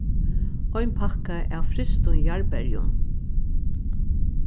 ein pakka av frystum jarðberjum